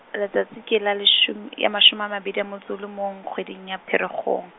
letsatsi ke la leshom-, ya mashome a mabedi le metso o mong, kgweding ya Pherekgong.